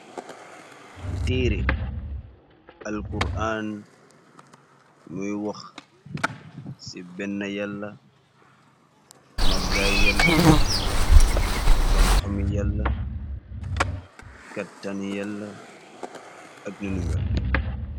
Tereh alkuraan muy wox ci benn yalla maggaay yall xam-xami yala kattani yalla ak nonu mel.